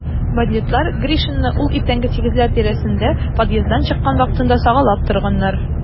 Бандитлар Гришинны ул иртәнге сигезләр тирәсендә подъезддан чыккан вакытында сагалап торганнар.